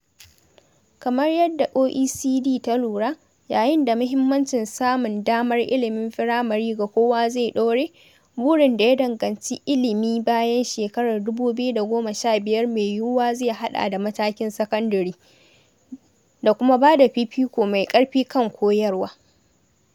Kamar yadda OECD ta lura, yayin da mahimmancin samun damar ilimin firamare ga kowa zai ɗore, burin da ya danganci ilimi bayan shekarar 2015 mai yiwuwa zai haɗa da matakin sakandare, da kuma bada fifiko mai ƙarfi kan koyarwa.